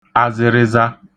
azịrịza